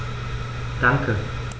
Danke.